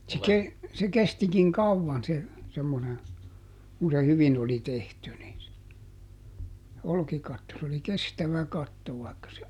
se - se kestikin kauan se semmoinen kun se hyvin oli tehty niin olkikatto se oli kestävä katto vaikka se